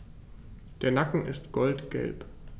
Der Nacken ist goldgelb.